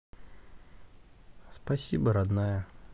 спасибо родная